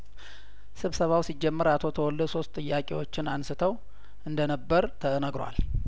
ስብሰባው ሲጀመር አቶ ተወልደ ሶስት ጥያቄዎችን አንስተው እንደነበር ተነግሯል